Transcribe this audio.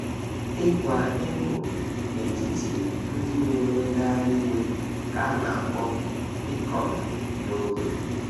Ịkwa emo n'etiti ndị na-eme ngagharị iwe ka a na-akpọ "picong" n'ogbe.